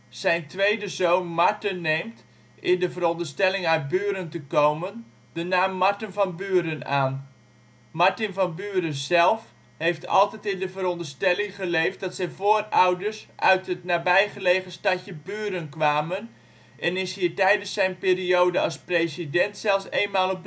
Zijn 2e zoon, Marten neemt, in de verondersteling uit Buren te komen, de naam Marten van Buren aan. Martin van Buren zelf heeft altijd in de veronderstelling geleefd dat zijn voorouders uit het nabijgelegen stadje Buren kwamen en is hier tijdens zijn periode als president zelfs eenmaal